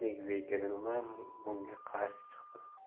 vengerlar bunga qarshi chiqdi